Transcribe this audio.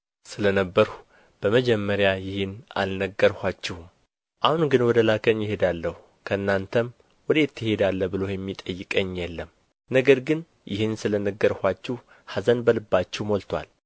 ስለ ነበርሁ በመጀመሪያ ይህን አልነገርኋችሁም አሁን ግን ወደ ላከኝ እሄዳለሁ ከእናንተም ወዴት ትሄዳለህ ብሎ የሚጠይቀኝ የለም ነገር ግን ይህን ስለ ተናገርኋችሁ ኀዘን በልባችሁ ሞልቶአል